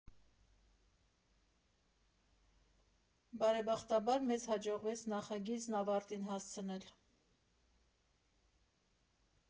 Բարեբախտաբար մեզ հաջողվեց նախագիծն ավարտին հասցնել»։